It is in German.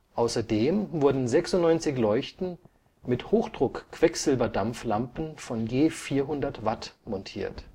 Außerdem wurden 96 Leuchten mit Hochdruckquecksilberdampf-Lampen von je 400 Watt montiert